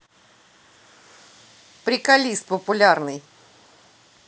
приколист популярный